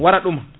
wara ɗum